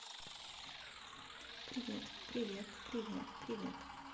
привет привет привет привет